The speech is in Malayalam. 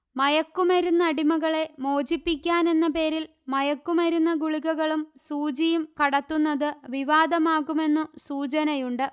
മയക്കുമരുന്നടിമകളെ മോചിപ്പിക്കാനെന്ന പേരിൽ മയക്കുമരുന്ന്ഗുളികകളും സൂചിയും കടത്തുന്നത് വിവാദമാകുമെന്നു സൂചനയുണ്ട്